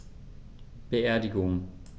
Beerdigung